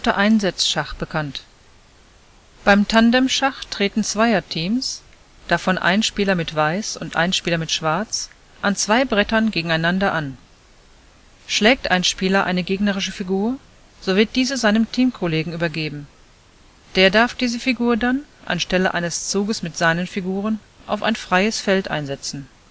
Einsetzschach bekannt): Beim Tandemschach treten Zweier-Teams (davon ein Spieler mit Weiß und ein Spieler mit Schwarz) an zwei Brettern gegeneinander an. Schlägt ein Spieler eine gegnerische Figur, so wird diese seinem Teamkollegen übergeben. Der darf diese Figur dann – anstelle eines Zuges mit seinen Figuren – auf ein freies Feld einsetzen